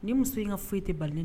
Ni muso in ka foyi e tɛ bali